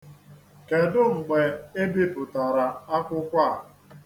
Kedụ mgbe e bipụtara akwụkwọ a?